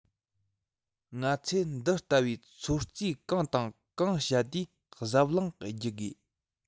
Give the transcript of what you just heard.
ང ཚོས འདི ལྟ བུས ཚོད རྩིས གང དང གང བྱ དུས གཟབ བརླིང བགྱི དགོས